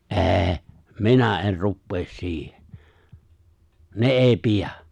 en minä en rupea siihen ne ei pidä